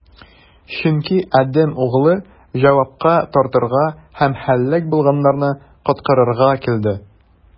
Чөнки Адәм Углы җавапка тартырга һәм һәлак булганнарны коткарырга килде.